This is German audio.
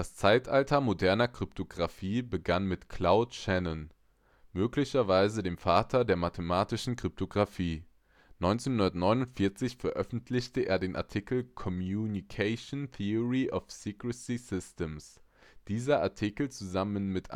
Zeitalter moderner Kryptographie begann mit Claude Shannon, möglicherweise dem Vater der mathematischen Kryptographie. 1949 veröffentlichte er den Artikel Communication Theory of Secrecy Systems. Dieser Artikel, zusammen mit